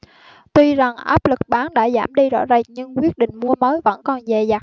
tuy rằng áp lực bán đã giảm đi rõ rệt nhưng quyết định mua mới vẫn còn dè dặt